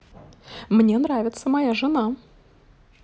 мне нравится моя жена